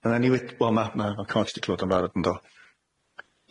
a nawn ni we- wel na na ma' 'di clwad o'n barod yn do?